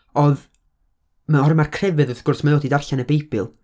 Oedd, ma' hwnna, ma' crefydd, wrth gwrs, mae o 'di darllen y Beibl.